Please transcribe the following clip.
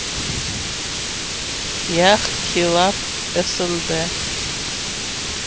jah khalib snd